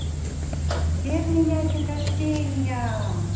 сбер меня день рождения